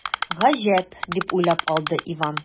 “гаҗәп”, дип уйлап алды иван.